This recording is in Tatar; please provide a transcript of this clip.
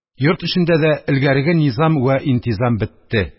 Йорт эчендә дә элгәреге низам вә интизам бетте.